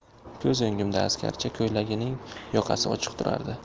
ko'z o'ngimda askarcha ko'ylagining yoqasi ochiq turardi